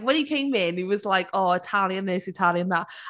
When he came in, he was like, oh, Italian this, Italian that.